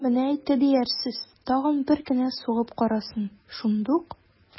Менә әйтте диярсез, тагын бер генә сугып карасын, шундук...